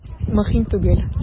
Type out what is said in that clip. Мөһим түгел.